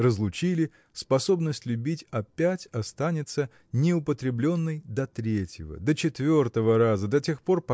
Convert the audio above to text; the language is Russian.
разлучили – способность любить опять останется неупотребленной до третьего до четвертого раза до тех пор